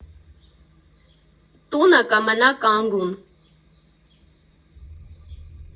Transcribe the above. Տունը կմնա կանգուն։